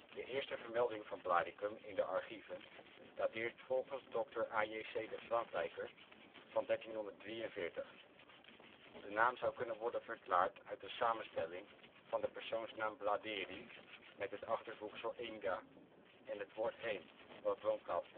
De eerste vermelding van Blaricum in de archieven dateert volgens dr. A.J.C. de Vrankrijker van 1343. De naam zou kunnen worden verklaard uit de samenstelling van de persoonsnaam Bladheri, met het achtervoegsel - inga en het woord heem (woonplaats